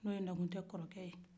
n'o ye nakuntɛ kɔrɔkɛ ye